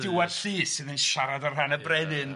Stiwart llys sydd yn siarad ar rhan y brenin de.